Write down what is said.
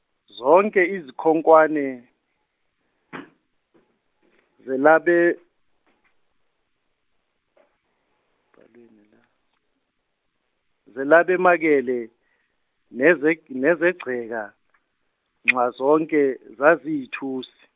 zonke izikhonkwane zetabe- ,, zetabemakele, nezeg- nezegceke, ngxazonke zaziyithusi.